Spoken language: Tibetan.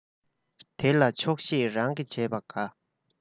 འདི ལ ཆོག ཤེས རང གིས བྱས པ དགའ